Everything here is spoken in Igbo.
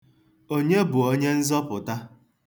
Onye bụ onyenzọpụta?